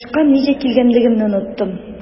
Врачка нигә килгәнлегемне оныттым.